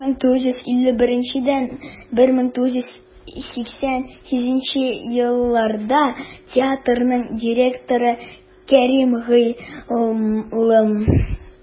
1951-1958 елларда театрның директоры кәрим гыйльманов була.